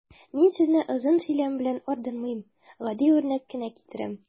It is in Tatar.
Мин сезне озын сөйләм белән ардырмыйм, гади үрнәк кенә китерәм.